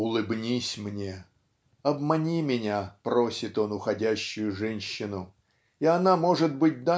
"Улыбнись мне", обмани меня, просит он уходящую женщину и она может быть